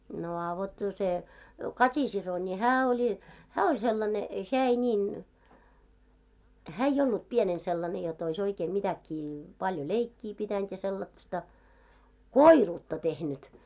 no a vot no se Kati-sisko niin hän oli hän oli sellainen hän ei niin hän ei ollut pienenä sellainen - jotta olisi oikein mitäkin paljon leikkiä pitänyt sellaista koiruutta tehnyt